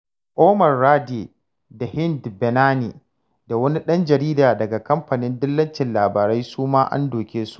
Omar Radi da Hind Bennani da wani ɗan jarida daga kamfanin dillacin labarai su ma an doke su.